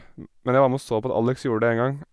m Men jeg var med og så på at Alex gjorde det én gang.